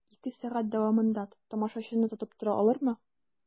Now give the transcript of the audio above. Ике сәгать дәвамында тамашачыны тотып тора алырмы?